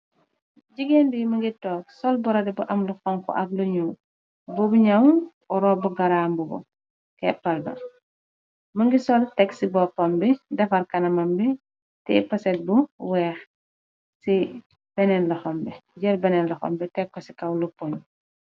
Jigeen bi mi ngi toog sol borode bu amlu xonku ak luñu bobu ñaw ropb garaambu bu keppalma më ngi sol teg ci boppom bi defar kana mam bi te paset bu weex ci beneen laxombi jër benen laxombi tekko ci kaw lu pumwi.